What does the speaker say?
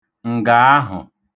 ǹgà ahụ̀